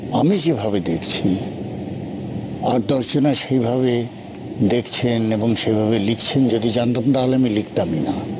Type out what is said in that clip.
আমি যেভাবে দেখছি আর দশ জন আর সেভাবে দেখছেন এবং সে ভাবে লিখছেন যদি জানতাম তাহলে আমি লিখতামই না